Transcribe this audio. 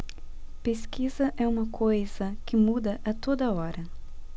pesquisa é uma coisa que muda a toda hora